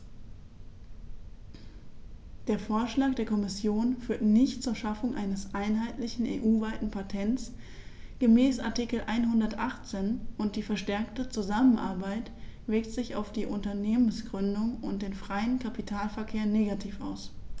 Der Vorschlag der Kommission führt nicht zur Schaffung eines einheitlichen, EU-weiten Patents gemäß Artikel 118, und die verstärkte Zusammenarbeit wirkt sich auf die Unternehmensgründung und den freien Kapitalverkehr negativ aus.